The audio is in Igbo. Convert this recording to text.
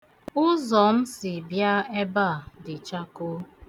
Ụzọ m si bịa ebe a dị chakoo.